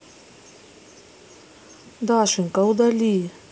дашенька удали